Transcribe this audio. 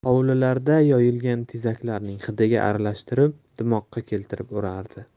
hovlilarda yoyilgan tezaklarning hidiga aralashtirib dimoqqa keltirib urardi